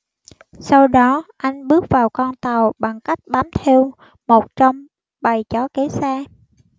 sau đó anh bước vào con tàu bằng cách bám theo một trong bầy chó kéo xe